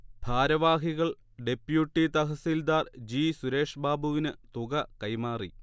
ഭാരവാഹികൾ ഡെപ്യൂട്ടി തഹസിൽദാർ ജി. സുരേഷ്ബാബുവിന് തുക കൈമാറി